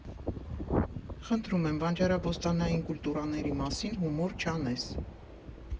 ֊ Խնդրում եմ, բանջարաբոստանային կուլտուրաների մասին հումոր չանես։